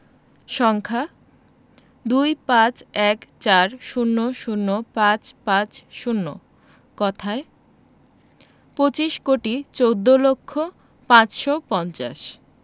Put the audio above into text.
সংখ্যা ২৫১ ৪০০৫৫০ কথায় পঁচিশ কোটি চৌদ্দ লক্ষ পাঁচশো পঞ্চাশ